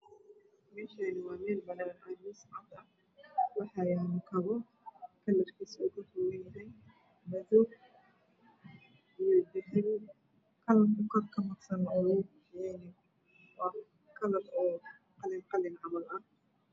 Meeshaani waa meel banaan oo miis cad ah waxaa yaalo kabo kalarkiisa uu ka koobanyahay madow iyo dahabi kalarka kor kamarsan waa kalar oo qalin camal ah